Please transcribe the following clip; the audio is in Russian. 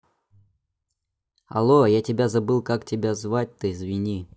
алло я тебя забыл как тебя звать то извини